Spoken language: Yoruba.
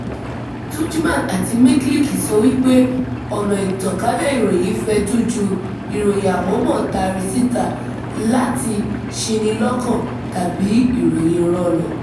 Tudjman àti Mikelic sọ wípé ọ̀nà ìtànkálẹ̀ ìròyìn fẹ̀jú ju ìròyìn àmọ̀ọ́mọ̀ tari síta láti ṣini lọ́kàn tàbí ìròyìn irọ́ lọ.